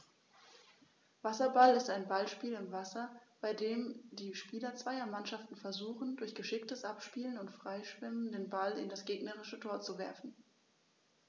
Wasserball ist ein Ballspiel im Wasser, bei dem die Spieler zweier Mannschaften versuchen, durch geschicktes Abspielen und Freischwimmen den Ball in das gegnerische Tor zu werfen.